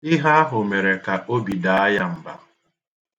Ihe ahụ mere ka obi daa ya mba.